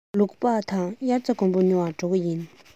ལུག པགས དང དབྱར རྩྭ དགུན འབུ ཉོ བར འགྲོ གི ཡིན